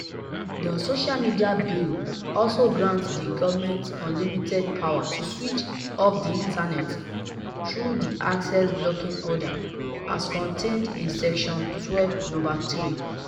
The social media bill also grants the government unlimited power to switch off the internet, through the "Access Blocking Order" as contained in Section 12, number 3: